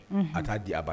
A t'a di aba